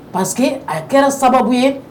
Parce que a kɛra sababu ye